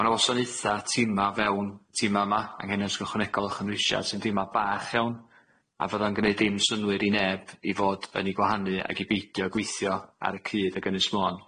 Ma' 'na wasanaetha tima fewn tima yma anghynion addysg ychwanegol o chynhwysiad sy'n tima bach iawn a fydda'n gneud dim synnwyr i neb i fod yn ei gwahanu ag i beidio gweithio ar y cyd ag Ynys Môn.